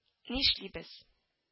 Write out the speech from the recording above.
Нишлибез